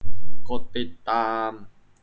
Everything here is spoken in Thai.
กดติดตาม